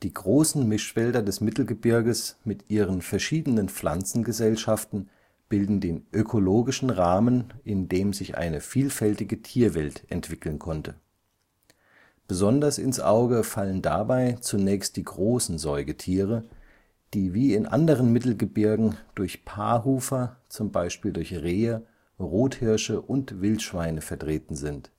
großen Mischwälder des Mittelgebirges mit ihren verschiedenen Pflanzengesellschaften bilden den ökologischen Rahmen, in dem sich eine vielfältige Tierwelt entwickeln konnte. Besonders ins Auge fallen dabei zunächst die großen Säugetiere, die wie in anderen Mittelgebirgen durch Paarhufer z. B. durch Rehe, Rothirsche und Wildschweine vertreten sind